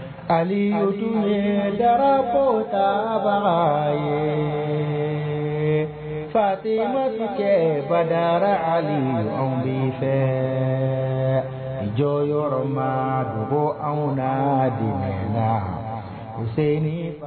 Hali dunyarabɔ saba yen fati ma bɛ kɛ badayarayarali anw min fɛ jɔn ma dogo anw na dise